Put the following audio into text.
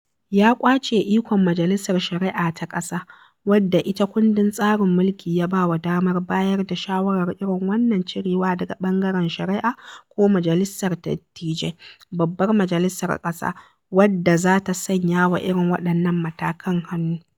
Ya ƙwace ikon Majalisar Shari'a ta ƙasa wadda ita kundin tsarin mulki ya ba wa damar bayar da shawarar irin wannan cirewar daga ɓangaren shari'a ko majalisar dattijai (babbar majalisar ƙasa) wadda za ta sanya wa irin waɗannan matakan hannu.